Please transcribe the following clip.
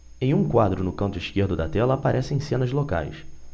em um quadro no canto esquerdo da tela aparecem cenas locais